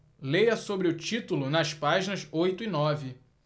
leia sobre o título nas páginas oito e nove